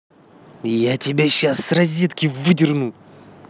я тебя еще с розетки выдернул